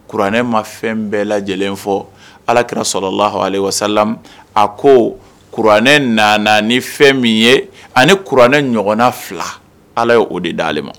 Kuranɛ ma fɛn bɛɛ lajɛlen fɔ alaki sɔrɔ lahale sa a ko kuranɛ nana ni fɛn min ye ani kuranɛ ɲɔgɔnna fila ala ye o de d ale ma